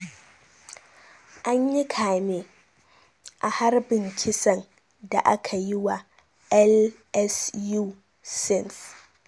Anyi kame a harbin kisan da akayi wa LSU Sims